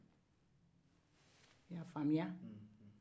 i y'a faamuya